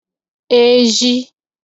ezhi